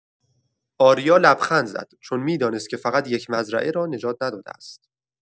آریا لبخند زد، چون می‌دانست که فقط یک مزرعه را نجات نداده است.